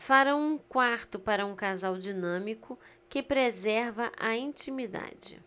farão um quarto para um casal dinâmico que preserva a intimidade